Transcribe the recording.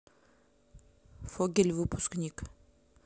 фогель выпускник